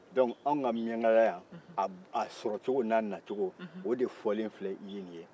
dɔnku an ka miyankala yan a sɔrɔ cogo n'a na cogo o de fɔlen filɛ i ye nin ye